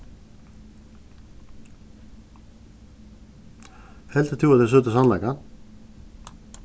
heldur tú at tey søgdu sannleikan